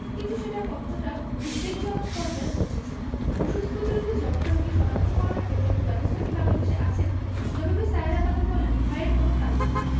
কিন্তু সেটি কতটা উদ্বেগজনক পর্যায়ে পৌঁছেছে ওষুধ প্রতিরোধী যক্ষ্মা রোগী শনাক্তকরণে পর্যাপ্ত ব্যবস্থা কি বাংলাদেশে আছে জবাবে সায়েরা বানু বলেন ভয়ের কোনো কারণ নেই